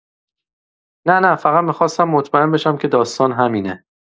نه نه‌فقط می‌خواستم مطمئن بشم که داستان همینه.